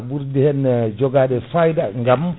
e ɓurɗi hen joguade faayida gam